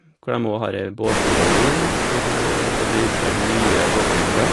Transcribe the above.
Hvor dem óg har ei båtbyggerlinje, hvor det blir opplært nye båtbyggere.